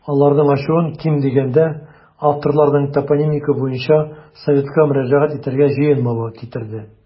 Аларның ачуын, ким дигәндә, авторларның топонимика буенча советка мөрәҗәгать итәргә җыенмавы китерде.